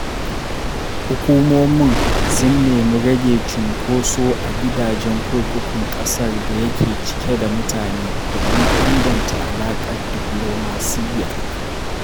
Hukumomin sun nemi rage cunkoso a gidajan kurkukun ƙasar da yake cike da mutane da kuma inganta alaƙar diflomasiyya.